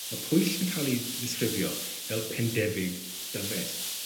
Ma' Pwyll yn ca'l 'i ddisgrifio fel Pendefig Dyfed.